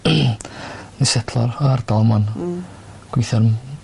ni setlo'r yr ardal ma'n... Hmm. ...gweithio'n